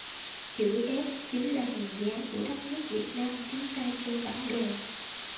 chữ s chính là hình dáng của đất nước việt nam chúng ta trên bản đồ